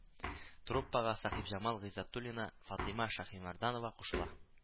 Труппага Сәхибҗамал Гыйззәтуллина, Фатыйма Шаһимәрдәнова кушыла